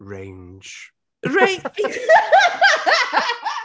Range... Rei-